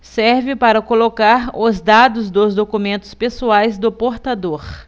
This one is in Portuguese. serve para colocar os dados dos documentos pessoais do portador